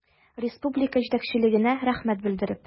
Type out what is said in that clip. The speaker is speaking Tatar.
Республика җитәкчелегенә рәхмәт белдереп.